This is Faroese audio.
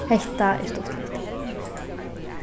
hetta er stuttligt